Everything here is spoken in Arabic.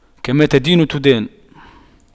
كما تدين تدان